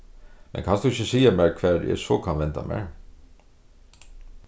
men kanst tú ikki siga mær hvar eg so kann venda mær